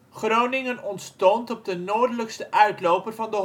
Groningen ontstond op de noordelijkste uitloper van de